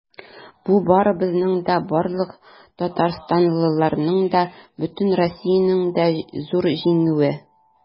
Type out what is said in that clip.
Бу барыбызның да, барлык татарстанлыларның да, бөтен Россиянең дә зур җиңүе.